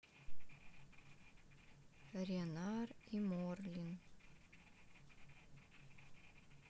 ренар и морлин